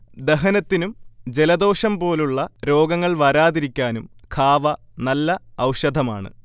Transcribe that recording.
ദഹനത്തിനും ജലദോഷം പോലുള്ള രോഗങ്ങൾ വരാതിരിക്കാനും ഖാവ നല്ല ഔഷധമാണ്